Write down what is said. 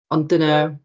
Ond dyna...